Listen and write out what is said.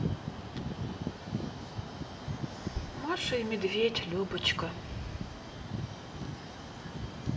маша и медведь любочка